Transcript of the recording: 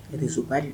E bɛ so de